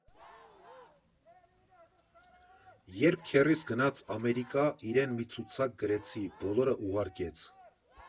Երբ քեռիս գնաց Ամերիկա, իրեն մի ցուցակ գրեցի, բոլորը ուղարկեց։